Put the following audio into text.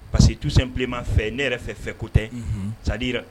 Parce que tout simplement fɛ ne yɛrɛ fɛ, fɛ ko tɛ, unhun, C'est à dire